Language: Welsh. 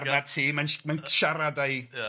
...arnat ti, mae'n mae'n siarad â'i... Ia